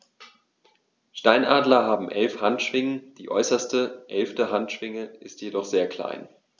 Steinadler haben 11 Handschwingen, die äußerste (11.) Handschwinge ist jedoch sehr klein.